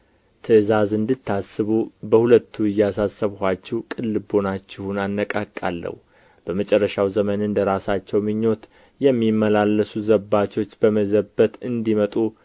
ትእዛዝ እንድታስቡ በሁለቱ እያሳሰብኋችሁ ቅን ልቡናችሁን አነቃቃለሁ በመጨረሻው ዘመን እንደ ራሳቸው ምኞት የሚመላለሱ ዘባቾች በመዘበት እንዲመጡ